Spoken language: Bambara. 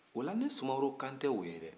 o la ne sumaworo kan tɛ o ye dɛ